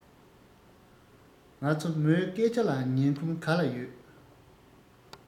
ང ཚོ མོའི སྐད ཆ ལ ཉན ཁོམ ག ལ ཡོད